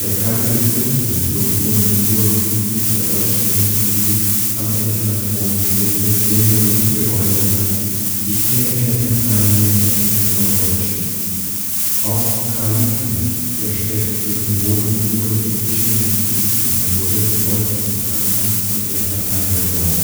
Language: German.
Kaiser begrüßte den so genannten Burgfrieden der deutschen Innenpolitik am Ende seiner Thronrede mit dem berühmt gewordenen Satz: Ich kenne keine Parteien mehr, ich kenne nur noch Deutsche! Auch Karl Liebknecht, der später zur Symbolfigur der entschiedenen Kriegsgegner wurde, beugte sich anfangs der Parteiräson